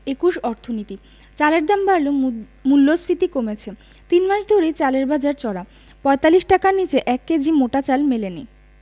২১ অর্থনীতি চালের দাম বাড়লেও মূল্যস্ফীতি কমেছে তিন মাস ধরেই চালের বাজার চড়া ৪৫ টাকার নিচে ১ কেজি মোটা চাল মেলেনি